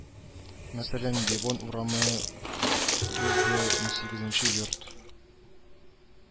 Мәсәлән, Девон урамы йөз дә унсигезенче йорт